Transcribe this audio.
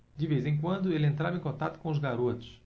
de vez em quando ele entrava em contato com os garotos